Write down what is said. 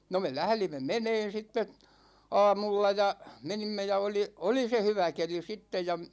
no me lähdimme menemään sitten aamulla ja menimme ja oli oli se hyvä keli sitten ja